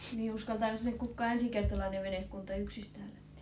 niin uskaltaako sinne kukaan ensikertalainen venekunta yksistään lähteä